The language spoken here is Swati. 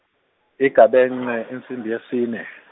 Igabence insimbi yesine.